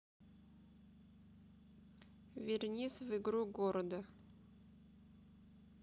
вернись в игру города